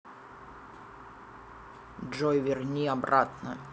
джой верни обратно